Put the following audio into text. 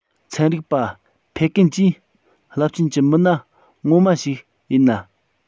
ཚན རིག པ ཕེ ཀུན གྱིས རླབས ཆེན གྱི མི སྣ ངོ མ ཞིག ཡིན ན